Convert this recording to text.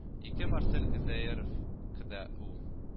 Ике марсель гозәеров кдэу